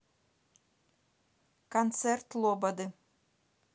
концерт лободы